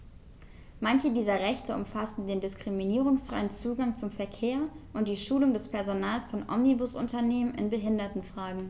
Manche dieser Rechte umfassen den diskriminierungsfreien Zugang zum Verkehr und die Schulung des Personals von Omnibusunternehmen in Behindertenfragen.